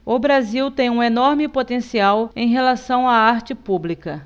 o brasil tem um enorme potencial em relação à arte pública